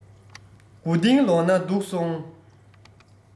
མགོ རྟིང ལོག ན སྡུག སོང